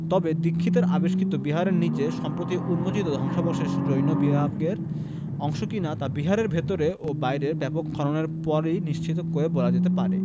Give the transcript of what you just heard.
তবে দীক্ষিতের আবিষ্কৃত বিহারের নিচে সম্প্রতি উন্মোচিত ধ্বংসাবশেষ জৈন বিহারের অংশ কিনা তা বিহারের ভেতরে ও বাইরে ব্যাপক খননের পরই নিশ্চিত করে বলা যেতে পারে